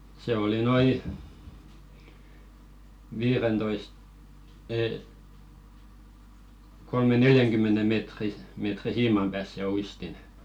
se oli noin viidentoista - kolmen neljänkymmenen metrin metrin siiman päässä se uistin